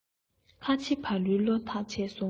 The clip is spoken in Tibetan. ཁ ཆེ ཕ ལུའི བློ ཐག ཆོད སོང ངོ